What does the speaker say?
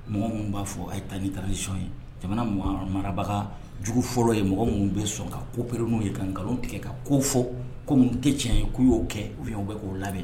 Mɔgɔ minnu b'a fɔ a ye ta ni taarasɔn ye jamana mɔgɔ marabaga jugu fɔlɔ ye mɔgɔ minnu bɛ sɔn ka koereri n'u ye ka nkalon tigɛ ka ko fɔ ko minnu tɛ tiɲɛ ye k'u y'o kɛ u yy bɛ'o labɛn